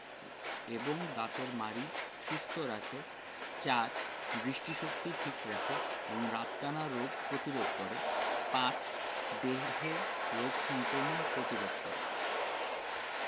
এবং দাঁতের মাড়ি সুস্থ রাখে ৪ দৃষ্টিশক্তি ঠিক রাখে এবং রাতকানা রোগ প্রতিরোধ করে ৫ দেহে রোগ সংক্রমণ প্রতিরোধ করে